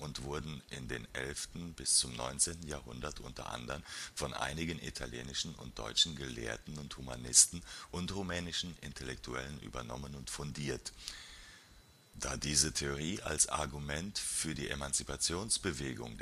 wurden in den 11. bis zum 19. Jahrhundert u.a.von einigen italienischen und deutschen Gelehrten und Humanisten und rumänischen Intellektuellen übernommen und fundiert. (Da diese Theorie als Argument für die Emanzipationsbewegung